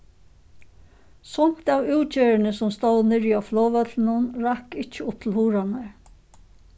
sumt av útgerðini sum stóð niðri á flogvøllinum rakk ikki upp til hurðarnar